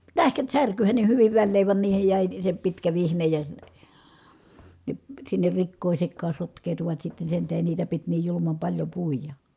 tähkät särkyhän ne hyvin väleen vaan niihin jäi se pitkä vihne ja ne sinne rikkoi sekaan sotkeutuvat sitten sen tähden niitä piti niin julman paljon puida